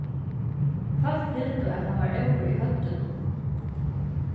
fólk hildu at hann var óður í høvdinum